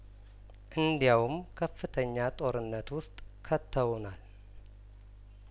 እንዲያውም ከፍተኛ ጦርነት ውስጥ ከተውናል